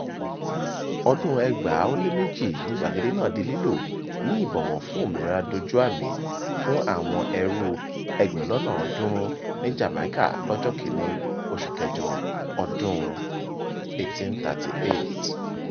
Ọdún-un 2002 ni gbàgede náà di lílò ní ìbọ̀wọ̀ fún "òmìnira dójú àmì" fún àwọn ẹrú 300,000 ní Jamaica lọ́jọ́ 1, oṣù kẹjọ ọdún-un 1838.